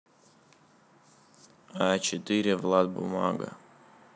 а четыре влад бумага